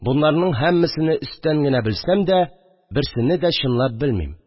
Бонларның һәммәсене өсттән генә белсәм дә, берсене дә чынлап белмим